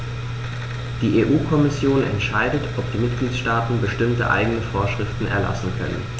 Die EU-Kommission entscheidet, ob die Mitgliedstaaten bestimmte eigene Vorschriften erlassen können.